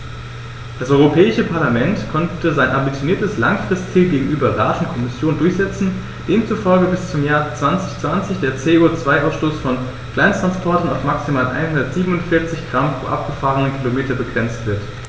Das Europäische Parlament konnte sein ambitioniertes Langfristziel gegenüber Rat und Kommission durchsetzen, demzufolge bis zum Jahr 2020 der CO2-Ausstoß von Kleinsttransportern auf maximal 147 Gramm pro gefahrenem Kilometer begrenzt wird.